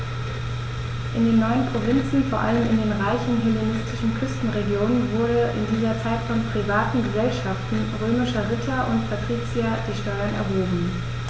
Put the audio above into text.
In den neuen Provinzen, vor allem in den reichen hellenistischen Küstenregionen, wurden in dieser Zeit von privaten „Gesellschaften“ römischer Ritter und Patrizier die Steuern erhoben.